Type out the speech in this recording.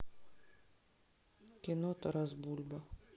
кино тарас бульба